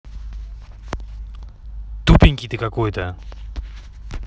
тупенький ты какой то